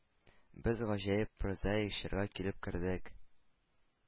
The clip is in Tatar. Без гаҗәеп прозаик чорга килеп кердек.